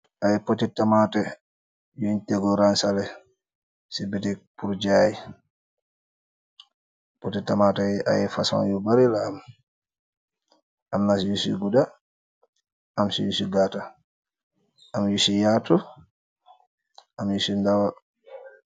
Ayy poteh tamateh , yung decoraseh si bitek bul jaii , poteh tamateh yih ayy posom yu bareh laah amm, amna yu si kudah , amsi yusi gatah , amm yusi yatuh , amm yusi doow.